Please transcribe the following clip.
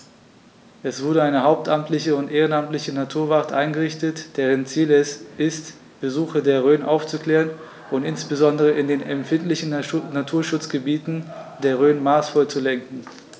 Es wurde eine hauptamtliche und ehrenamtliche Naturwacht eingerichtet, deren Ziel es ist, Besucher der Rhön aufzuklären und insbesondere in den empfindlichen Naturschutzgebieten der Rhön maßvoll zu lenken.